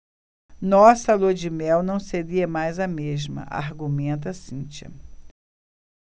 nossa lua-de-mel não seria mais a mesma argumenta cíntia